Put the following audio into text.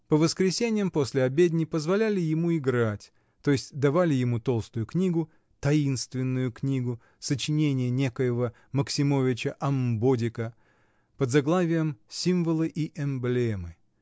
По воскресеньям, после обедни, позволяли ему играть, то есть давали ему толстую книгу, таинственную книгу, сочинение некоего Максимовича-Амбодика, под заглавием "Символы и эмблемы".